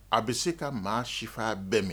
A bɛ se ka maa sifa bɛɛ mɛn